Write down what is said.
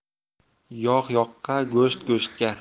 yog' yoqqa go'sht go'shtga